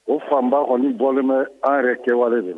O fanba kɔni bɔlen bɛ an yɛrɛ kɛwale de